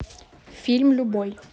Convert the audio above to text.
фильм любой